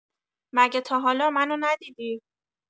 مگه تا حالا منو ندیدی؟